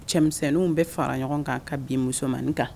Cɛmisɛnninw bɛ fara ɲɔgɔn kan ka bin musomanmaninin kan